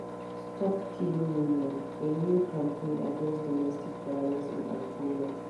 ‘Stop killing women’ — a new campaign against domestic violence in Angola